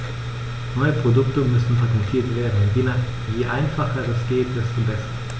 Neue Produkte müssen patentiert werden, und je einfacher das geht, desto besser.